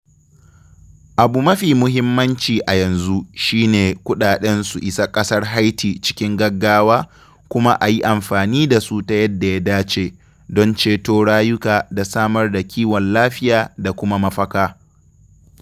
Abu mafi muhimmanci a yanzu shi ne kuɗaɗen su isa ƙasar Haiti cikin gaggawa kuma a yi amfani da su ta yadda ya dace, don ceton rayuka da samar da kiwon lafiya da kuma mafaka.